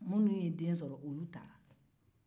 minnu ye den sɔrɔ olu taara